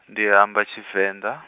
ndi hamba Tshivenḓa.